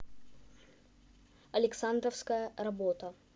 александровская работа